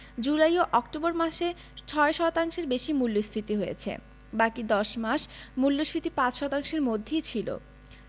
জুলাই ও অক্টোবর মাসে ৬ শতাংশের বেশি মূল্যস্ফীতি হয়েছে বাকি ১০ মাস মূল্যস্ফীতি ৫ শতাংশের মধ্যেই ছিল